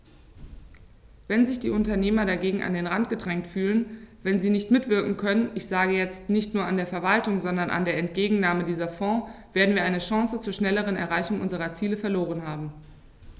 Wenn sich die Unternehmer dagegen an den Rand gedrängt fühlen, wenn sie nicht mitwirken können ich sage jetzt, nicht nur an der Verwaltung, sondern an der Entgegennahme dieser Fonds , werden wir eine Chance zur schnelleren Erreichung unserer Ziele verloren haben.